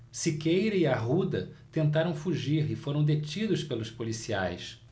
siqueira e arruda tentaram fugir e foram detidos pelos policiais